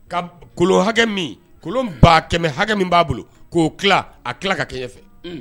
Ka kolon hakɛ min, kolon ba kɛmɛ hakɛ min b'a bolo, k'o tila , a tila ka kɛɲɛn fɛ.